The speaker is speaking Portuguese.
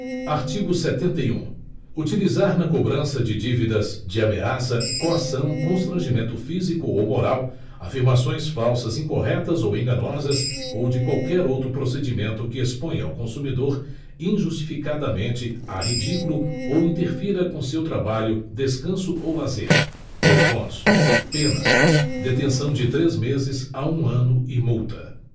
artigo setenta e um utilizar na cobrança de dívidas de ameaça coação constrangimento físico ou moral afirmações falsas incorretas ou enganosas ou de qualquer outro procedimento que exponha o consumidor injustificadamente a ridículo ou interfira com seu trabalho descanso ou lazer dois pontos pena detenção de três meses a um ano e multa